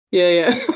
Ie ie .